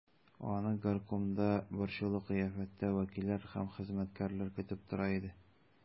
Аны горкомда борчулы кыяфәттә вәкилләр һәм хезмәткәрләр көтеп тора иде.